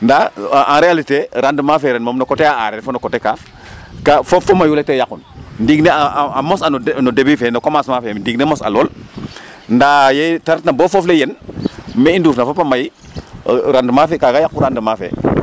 Ndaa en réalité rendement fe ren moom no coté a aareer fo no coté kaaf ka foof fo mayu le ten yaqun ndiig ne a mos'a no début fe no commencement fe ndiig ne mos'a lool .Ndaa yee ta retna bo foof le yen me i ndufna fop a yen rendement fe kaaga yaqun rendement fe.